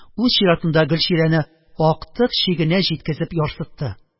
Үз чиратында гөлчирәне актык чигенә җиткезеп ярсытты.